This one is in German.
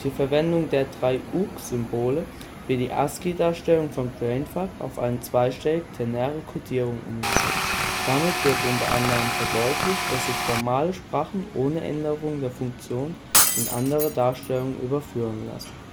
Verwendung der drei " Ook "- Symbole wird die ASCII-Darstellung von Brainfuck auf eine zweistellige ternäre Codierung umgesetzt. Damit wird u. a. verdeutlicht, dass sich formale Sprachen ohne Änderung der Funktion in andere Darstellungen überführen lassen